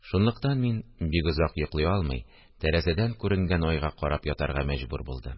Шунлыктан мин, бик озак йоклый алмый, тәрәзәдән күренгән айга карап ятарга мәҗбүр булдым.